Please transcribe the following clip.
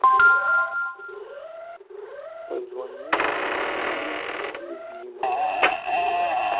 позвони моей любимой